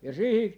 ja siihen